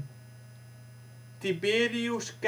Tiberius Catius